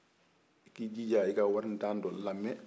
i k'i jija i ka warintan dɔ lamɛ